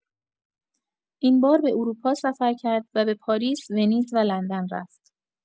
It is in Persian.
این بار به اروپا سفر کرد و به پاریس، ونیز و لندن رفت.